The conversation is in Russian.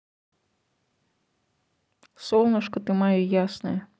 солнышко ты мое ясное